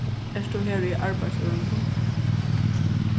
ert tú her í arbeiðsørindum